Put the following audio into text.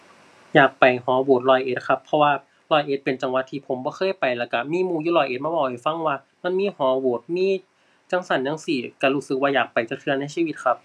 อยากไปหอโหวดร้อยเอ็ดครับ เพราะว่าร้อยเอ็ดเป็นจังหวัดที่ผมบ่เคยไปแล้วก็มีหมู่อยู่ร้อยเอ็ดมาเว้าให้ฟังว่า มันมีหอโหวด มีจั่งซั้นจั่งซี้ ก็รู้สึกว่าอยากไปจักเทื่อในชีวิตครับ